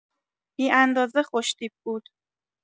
بی‌اندازه خوش‌تیپ بود.